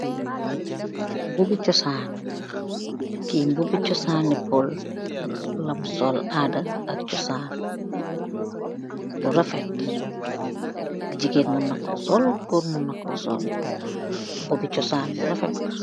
Mbubi chosan, ki mbubi chosani pol lam sol aada ak chosan, refet, jigen mun nako sol, gorr mun nako sol, mbubi chosan bu refet.